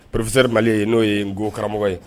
Ppe mali ye n'o ye n ko karamɔgɔ ye